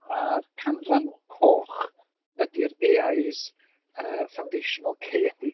Mae'r canran coch ydy'r AIs yy foundational caeedig.